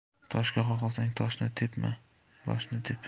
toshga qoqilsang toshni tepma boshni tep